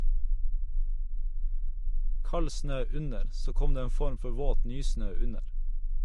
Kald snø under, så kom det en form for våt nysnø under.